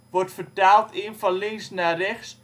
wordt vertaald in (van links naar rechts